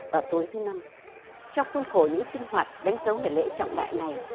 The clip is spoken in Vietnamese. vào tối thứ năm trong khuôn khổ những sinh hoạt đánh dấu ngày lễ trọng đại này